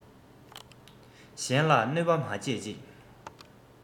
གཞན ལ གནོད པ མ བྱེད ཅིག